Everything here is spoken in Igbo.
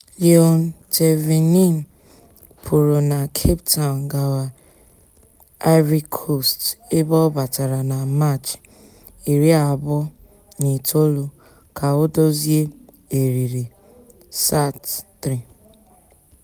Leon Thevenin pụrụ na Cape Town gawa Ivory Coast ebe ọ batara na Maachị 29 ka o dozie eriri SAT-3.